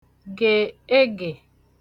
gè (egè)